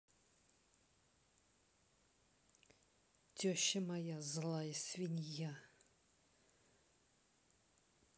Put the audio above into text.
теща моя злая свинья